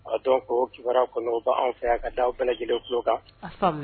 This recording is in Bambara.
O dɔn ko kiba kɔnɔ anw fɛ yan ka da bɛɛ lajɛlen tulo kan